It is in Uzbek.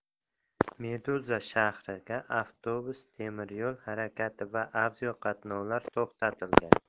meduzashaharda avtobus temiryo'l harakati va aviaqatnovlar to'xtatilgan